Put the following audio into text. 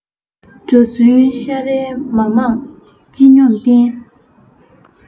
དགྲ ཟུན བཤའ རལ མ མང སྤྱི སྙོམས སྟེན